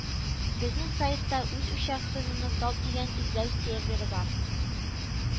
Безнең сайтта Үз участогыңны тап дигән эзләү серверы бар